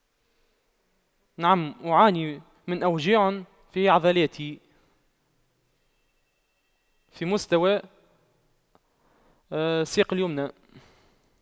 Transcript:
نعم أعاني من أوجاع في عضلاتي في مستوى الساق اليمنى